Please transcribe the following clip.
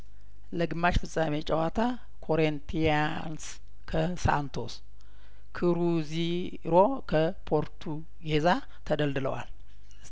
ለግማሽ ፍጻሜውም ጨዋታ ኮሪንቲያንስ ከሳንቶስ ክሩዚሮ ከፖርቱጌዛ ተደልድለዋል